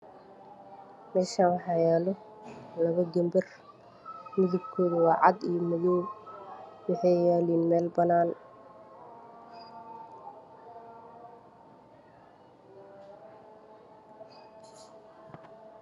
Meshaan waxa yaalo labo ganbar midabkoodka waa cad iyo madow waxay yaaliin meel banaan ah